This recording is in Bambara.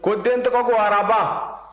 ko den tɔgɔ ko araba